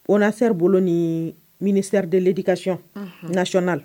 ONASER bolo ni ministère de l'éducation nationale